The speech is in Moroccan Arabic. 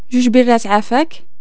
جوج بيرات من فضلك